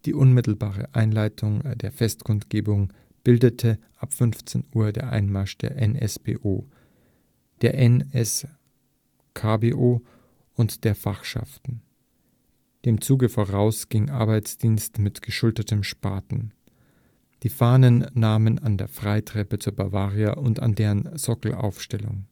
unmittelbare Einleitung der Festkundgebung bildete um 15 Uhr der Einmarsch von NSBO, der NSKBO und der Fachschaften. Dem Zuge voraus ging Arbeitsdienst mit geschultertem Spaten. Die Fahnen nahmen an der Freitreppe zur Bavaria und an deren Sockel Aufstellung